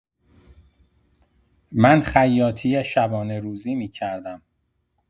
من خیاطی شبانه‌روزی می‌کردم.